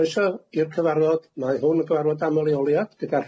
Croeso i'r gyfarfod, mae hwn yn gyfarfod aml-leoliad, gyda